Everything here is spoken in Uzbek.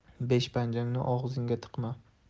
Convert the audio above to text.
besh panjangni og'zingga tiqma